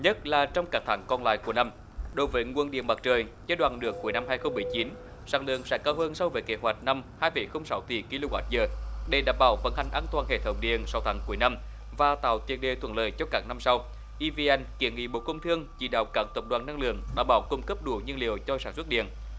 nhất là trong các tháng còn lại của năm đối với nguồn điện mặt trời giai đoạn nửa cuối năm hai không mười chín sản lượng sẽ cao hơn so với kế hoạch năm hai phẩy không sáu tỷ ki lô oát giờ để đảm bảo vận hành an toàn hệ thống điện sáu tháng cuối năm và tạo tiền đề thuận lợi cho các năm sau i vi en kiến nghị bộ công thương chỉ đạo các tập đoàn năng lượng đảm bảo cung cấp đủ nhiên liệu cho sản xuất điện